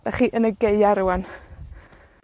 'Dach chi yn y Gaea rŵan.